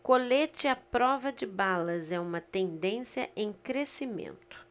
colete à prova de balas é uma tendência em crescimento